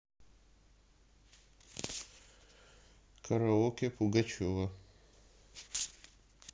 караоке пугачева